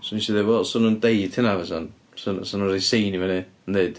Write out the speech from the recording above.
So wnes i ddeud, "wel 'sen nhw'n deud hynna fysan. 'Sen nhw'n rhoid sign i fyny yn deud...